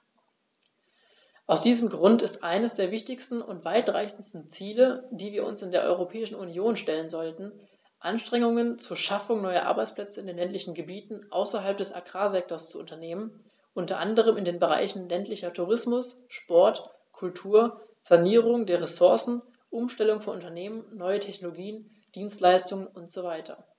Aus diesem Grund ist es eines der wichtigsten und weitreichendsten Ziele, die wir uns in der Europäischen Union stellen sollten, Anstrengungen zur Schaffung neuer Arbeitsplätze in den ländlichen Gebieten außerhalb des Agrarsektors zu unternehmen, unter anderem in den Bereichen ländlicher Tourismus, Sport, Kultur, Sanierung der Ressourcen, Umstellung von Unternehmen, neue Technologien, Dienstleistungen usw.